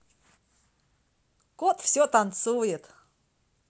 кот все танцует